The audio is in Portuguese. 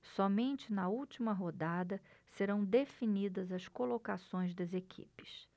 somente na última rodada serão definidas as colocações das equipes